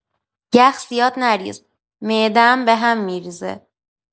یخ زیاد نریز، معده‌م به هم می‌ریزه.